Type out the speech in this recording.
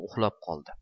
uxlab qoldi